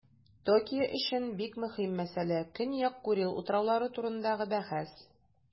Токио өчен бик мөһим мәсьәлә - Көньяк Курил утраулары турындагы бәхәс.